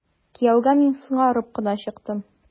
Кияүгә мин соңарып кына чыктым.